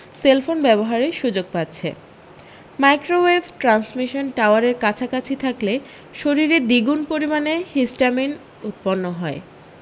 cellphone ব্যবহারের সু্যোগ পাচ্ছে মাইক্রোওয়েভ ট্র্যান্সমিশন টাওয়ারের কাছাকাছি থাকলে শরীরে দ্বিগুণ পরিমাণে হিসট্যামিন উৎপন্ন হয়